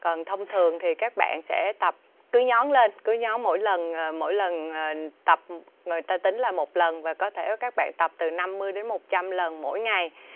còn thông thường thì các bạn sẽ tập cứ nhón lên cứ nhón mỗi lần mỗi lần tập người ta tính là một lần và có thể các bạn tập từ năm mươi đến một trăm lần mỗi ngày